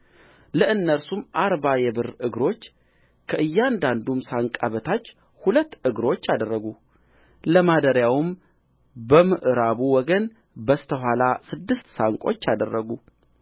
ለእነርሱም አርባ የብር እግሮች ከእያንዳንዱም ሳንቃ በታች ሁለት እግሮች አደረጉ ለማደሪያውም በምዕራቡ ወገበስተ ኋላ ስድስት ሳንቆች አደረጉ